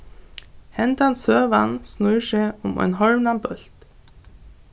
hendan søgan snýr seg um ein horvnan bólt